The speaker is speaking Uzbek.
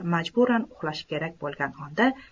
majburan uxlashi kerak bo'lgan onda